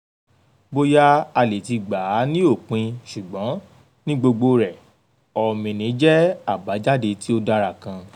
Bóyá a lè ti gbà á ní òpin ṣùgbọ́n, ní gbogbo rẹ̀, ọ̀mìnì jẹ́ àbájáde tí ó dára kan.